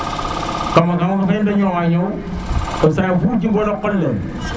kama kanga ma ne de ñoowa ñoow to saay fu jego na qol le